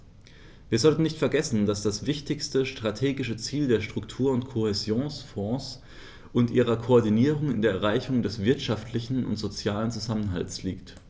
Wir sollten nicht vergessen, dass das wichtigste strategische Ziel der Struktur- und Kohäsionsfonds und ihrer Koordinierung in der Erreichung des wirtschaftlichen und sozialen Zusammenhalts liegt.